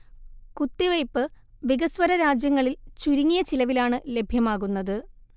കുത്തിവെയ്പ് വികസ്വര രാജ്യങ്ങളിൽ ചുരുങ്ങിയ ചിലവിലാണ് ലഭ്യമാകുന്നത്